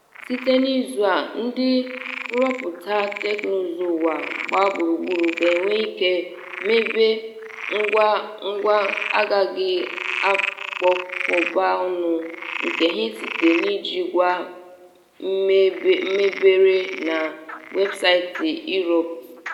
Site n’izu a, ndị nrụpụta teknụzụ ụwa gbaa gburugburu ga-enwe ike mebe ngwa agaghị ekpokọba ọnụ nke ha site n’iji ngwa mebere na websaịtị Inrupt.